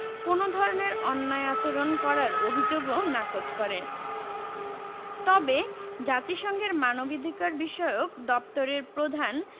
কোনো ধরনের অন্যায় আচরণ করার অভিযোগও নাকচ করে তবে জাতিসংঘের মানবাধিকারবিষয়ক দপ্তরের প্রধান